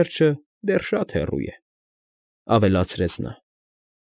Վերջը դեռ շատ հեռու է»,֊ ավելացրեց նա։